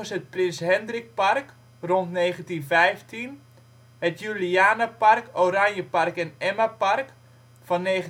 het Prins Hendrikpark (rond 1915), het Julianapark, Oranjepark en Emmapark (1920-1950